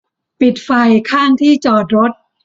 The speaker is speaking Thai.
ปิดไฟข้างที่จอดรถ